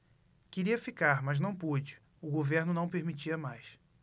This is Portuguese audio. queria ficar mas não pude o governo não permitia mais